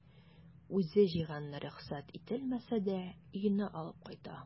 Үзе җыйганны рөхсәт ителмәсә дә өенә алып кайта.